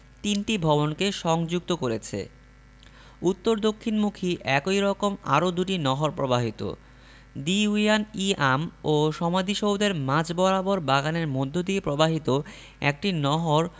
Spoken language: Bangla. তিনটি ভবনকে সংযুক্ত করেছে উত্তর দক্ষিণমুখী একই রকম আরও দুটি নহর প্রবাহিত দীউয়ান ই আম ও সমাধিসৌধের মাঝ বরাবর বাগানের মধ্যদিয়ে প্রবাহিত একটি নহর